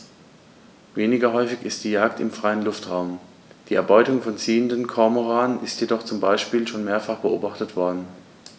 Weniger häufig ist die Jagd im freien Luftraum; die Erbeutung von ziehenden Kormoranen ist jedoch zum Beispiel schon mehrfach beobachtet worden.